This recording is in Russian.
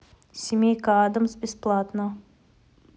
семейка аддамс бесплатно